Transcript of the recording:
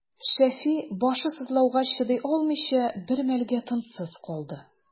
Шәфи, башы сызлауга чыдый алмыйча, бер мәлгә тынсыз калды.